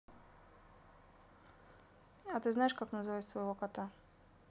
а ты знаешь как называть своего кота